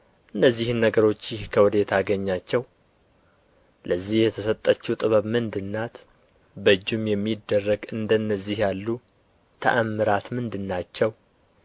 እነዚህን ነገሮች ይህ ከወዴት አገኛቸው ለዚህ የተሰጠችው ጥበብ ምንድር ናት በእጁም የሚደረጉ እንደነዚህ ያሉ ተአምራት ምንድር ናቸው